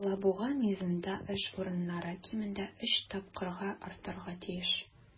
"алабуга" мизында эш урыннары кимендә өч тапкырга артарга тиеш.